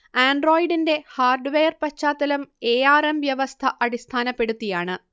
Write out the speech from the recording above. ആൻഡ്രോയ്ഡിന്റെ hardware പശ്ചാത്തലം A R M വ്യവസ്ഥ അടിസ്ഥാനപ്പെടുത്തിയാണ്